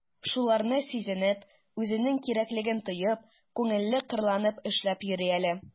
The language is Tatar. Шуларны сизенеп, үзенең кирәклеген тоеп, күңеле кырланып эшләп йөри әле...